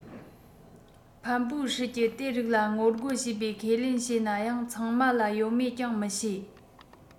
ཕམ པུའུ ཧྲི ཀྱི དེ རིགས ལ ངོ རྒོལ བྱེད པའི ཁས ལེན བྱས ན ཡང ཚང མ ལ ཡོད མེད ཀྱང མི ཤེས